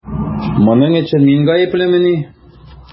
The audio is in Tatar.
Моның өчен мин гаеплемени?